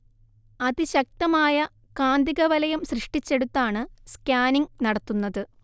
അതിശക്തമായ കാന്തിക വലയം സൃഷ്ടിച്ചെടുത്താണ് സ്കാനിങ് നടത്തുന്നത്